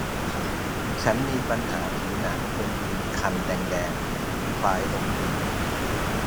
ฉันมีปัญหาผิวหนังเป็นผื่นคันแดงแดงคล้ายลมพิษ